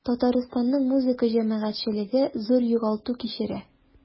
Татарстанның музыка җәмәгатьчелеге зур югалту кичерә.